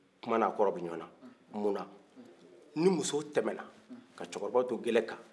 kuma ni a kɔrɔ b'i ɲwaana munna ni muso tɛmɛna ka cɛkorɔbaw to gɛlɛ kan